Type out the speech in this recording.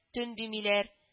Төн димиләр